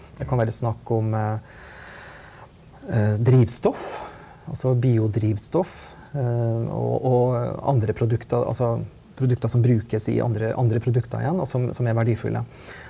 det kan være snakk om drivstoff altså biodrivstoff og og andre produkter altså produkter som brukes i andre andre produkter igjen og som som er verdifulle.